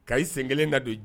Ka ii sen kelen na don